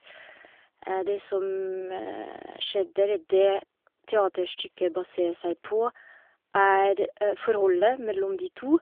det som skjedde eller Det teaterstykket baserer seg på, er forholdet mellom de to.